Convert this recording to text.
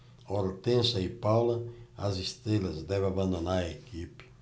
hortência e paula as estrelas devem abandonar a equipe